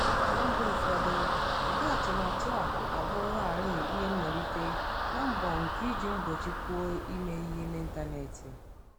Na mba ụfọdụ, ụdị atụmatụ a a bụrụ larịị ihe mmalite na mbọ nke ịji mgbochi kwuo ime ihe n'ịntanetị.